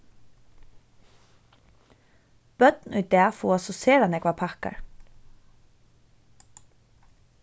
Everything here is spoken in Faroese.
børn í dag fáa so sera nógvar pakkar